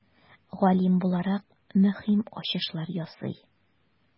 Галим буларак, мөһим ачышлар ясый.